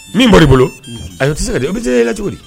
Min mana i bolo, ayi, o tɛ se ka di , o bɛ diya i la cogo di!